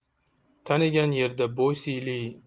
tanigan yerda bo'y siyli